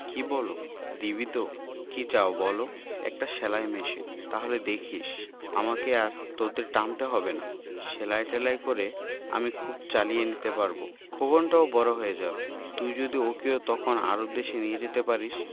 কি বলো দিবি তো কি চাও বলো একটা সেলাই মেশিন তাহলে দেখিস আমাকে আর তোদের টানতে হবে না সেলাই টেলাই করে আমি খুব চালিয়ে নিতে পারব খোকনটাও বড় হয়ে যাবে তুই যদি ওকেও তখন আরব দেশে নিয়ে যেতে পারিস